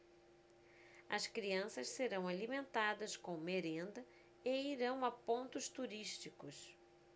as crianças serão alimentadas com merenda e irão a pontos turísticos